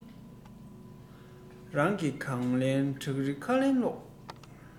རང གིས གར བལྟས མེ ལོང ནང དུ གསལ